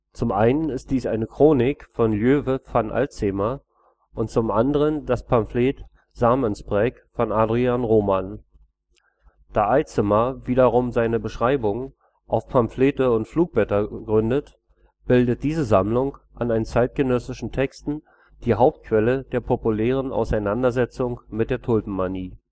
Zum einen ist dies eine Chronik von Lieuwe van Aitzema und zum anderen das Pamphlet Samen-spraek von Adriaen Roman. Da Aitzema wiederum seine Beschreibung auf Pamphlete und Flugblätter gründet, bildet diese Sammlung an zeitgenössischen Texten die Hauptquelle der populären Auseinandersetzung mit der Tulpenmanie